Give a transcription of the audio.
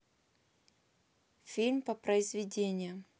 фильмы по произведениям